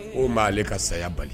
O maale ka saya bali